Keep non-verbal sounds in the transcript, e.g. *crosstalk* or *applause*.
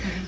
*hesitation* *hesitation*